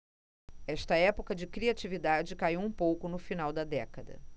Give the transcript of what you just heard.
esta época de criatividade caiu um pouco no final da década